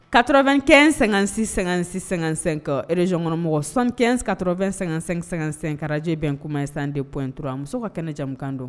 Katro2kɛ---sɛsɛn ka rezsonkɔnɔmɔgɔ sanɛnkat2--sɛnkaraje bɛn kuma in san dep intura muso ka kɛnɛjakan don